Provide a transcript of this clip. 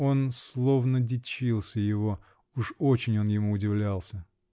он словно дичился его: уж очень он ему удивлялся.